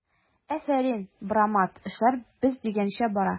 Афәрин, брамат, эшләр без дигәнчә бара!